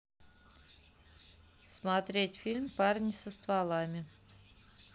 смотреть фильм парни со стволами